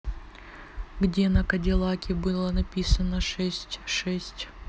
где на кадиллаке было написано шесть шесть